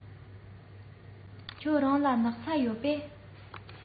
ཁྱེད རང ལ སྣག ཚ ཡོད པས